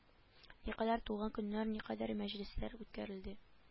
Никадәр туган көннәр никадәр мәҗлесләр үткәрелде